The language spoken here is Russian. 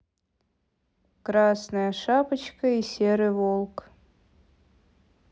красная шапочка и серый волк